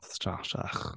Statich.